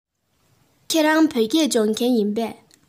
ཁྱེད རང བོད སྐད སྦྱོང མཁན ཡིན པས